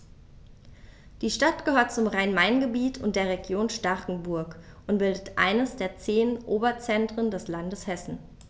Die Stadt gehört zum Rhein-Main-Gebiet und der Region Starkenburg und bildet eines der zehn Oberzentren des Landes Hessen.